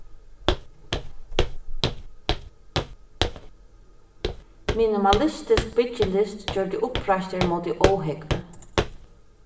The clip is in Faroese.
minimalistisk byggilist gjørdi uppreistur móti óhógvi